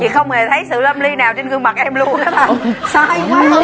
chị không hề thấy sự lâm ly nào trên gương mặt em luôn á thanh sai quá